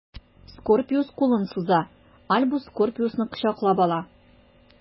Скорпиус кулын суза, Альбус Скорпиусны кочаклап ала.